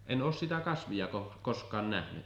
en ole sitä kasvia koskaan nähnyt